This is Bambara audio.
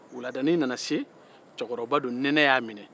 wuladani nana se cɛkɔrɔba don nɛnɛ y'a minɛ